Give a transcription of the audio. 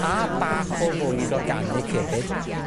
A bach o fwyd organic hefyd.